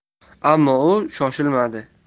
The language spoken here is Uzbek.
ammo u shoshilmadi